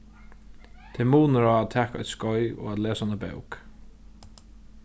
tað er munur á at taka eitt skeið og at lesa eina bók